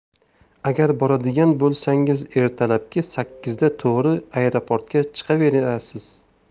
agar boradigan bo'lsangiz ertalabki sakkizda to'g'ri aeroportga chiqaverasiz